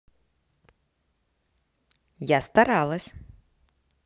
я старалась